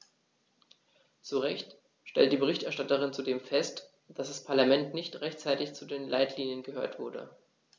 Zu Recht stellt die Berichterstatterin zudem fest, dass das Parlament nicht rechtzeitig zu den Leitlinien gehört wurde.